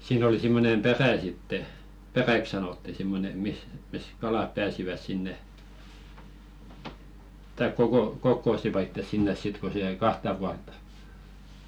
siinä oli semmoinen perä sitten peräksi sanottiin semmoinen missä missä kalat pääsivät sinne tai kokosivat itsensä sinne sitten kun se jäi kahta puolta